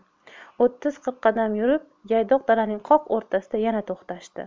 o'ttiz qirq qadam yurib yaydoq dalaning qoq o'rtasida yana to'xtashdi